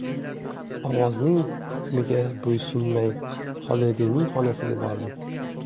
ovozning hukmiga bo'ysunmay xolidiyning xonasiga bordi